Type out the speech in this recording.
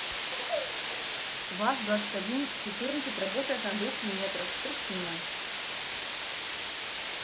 ваз двадцать один четырнадцать работает на двух метрах причина